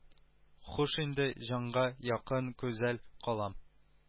Хуш инде җанга якын гүзәл калам